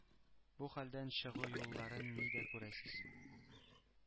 – бу хәлдән чыгу юлларын нидә күрәсез?